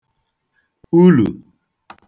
ulù